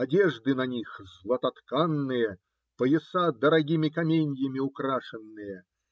одежды на них золототканные, пояса дорогими каменьями украшенные.